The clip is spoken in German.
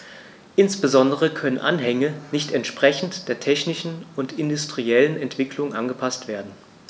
Insbesondere können Anhänge nicht entsprechend der technischen und industriellen Entwicklung angepaßt werden.